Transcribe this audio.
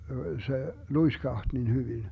se luiskahti niin hyvin